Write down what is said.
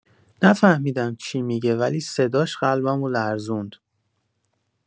نفهمیدم چی می‌گه ولی صداش قلبمو لرزوند.